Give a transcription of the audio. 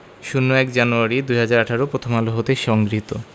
০১ January ২০১৮ Prothom Alo হতে সংগৃহীত